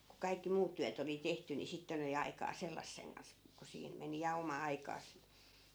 kun kaikki muut työt oli tehty niin sitten oli aikaa sellaisen kanssa kun siinä meni ja oma aikansa